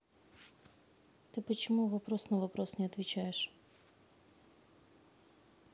ты почему вопрос на вопрос отвечаешь